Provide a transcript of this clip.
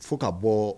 Fo ka bɔ